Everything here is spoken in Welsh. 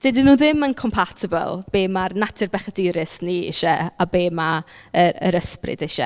Dydyn nhw ddim yn compatible be ma'r natur bechadurus ni isie a be ma' y yr ysbryd isie.